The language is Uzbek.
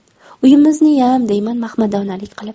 uyimizniyam deyman mahmadonalik qilib